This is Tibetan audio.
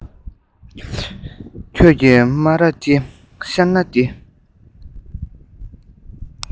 ཁྱོད ཀྱི སྨ ར དེ གཞར ན བདེ